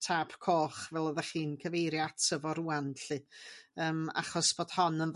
tap coch fel oddach chi'n cyfeirio ato fo rŵan 'lly yym achos bod hon yn